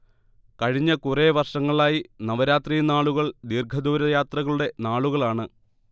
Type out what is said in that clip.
കഴിഞ്ഞ കുറേ വർഷങ്ങളായി നവരാത്രിനാളുകൾ ദീഘദൂരയാത്രകളുടെ നാളുകളാണ്